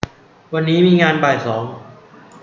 วันนี้มีงานบ่ายสอง